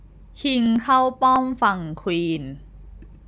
คิงเข้าป้อมฝั่งควีน